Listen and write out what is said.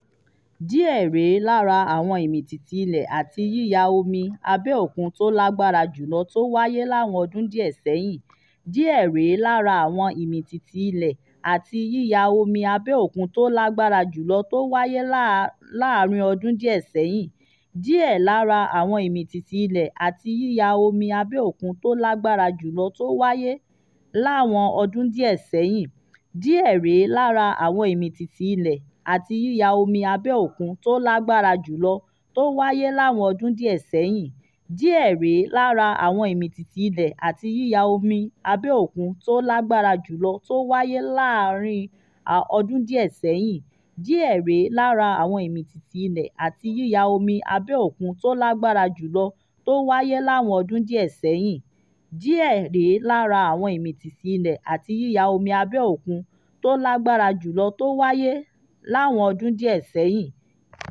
Díẹ̀ rèé lára àwọn ìmìtìtì ilẹ̀ àti yíya omi abẹ́ òkun tó lágbára jù lọ tó wáyé láwọn ọdún díẹ̀ ṣẹ́yìn: